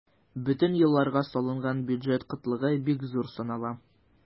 Бөтен елларга салынган бюджет кытлыгы бик зур санала.